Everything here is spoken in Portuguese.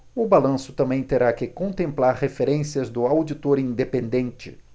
o balanço também terá que contemplar referências do auditor independente